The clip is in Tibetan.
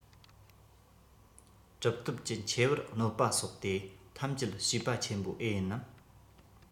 གྲུབ ཐོབ ཀྱི ཆེ བར གནོད པ སོགས དེ ཐམས ཅད བྱས པ ཆེན པོ ཨེ ཡིན ནམ